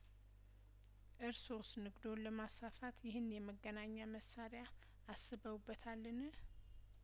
እርስዎስ ንግድዎን ለማስፋፋት ይኸንን የመገናኛ መሳሪያ አስበውበታልን